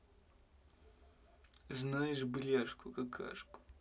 знаешь бляшку какашку